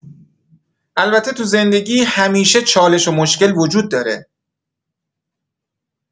البته تو زندگی همیشه چالش و مشکل وجود داره.